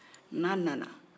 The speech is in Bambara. n'an nana